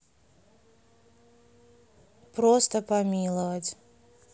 просто помиловать